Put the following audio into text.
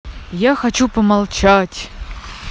я хочу помолчать